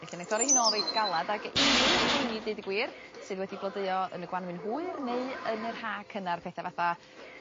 felly 'nai thorri hi nôl reit galad ag unryw lwyni deud y gwir sydd wedi blodeuo yn y Gwanwyn hwyr neu yn yr Ha cyna'r petha fatha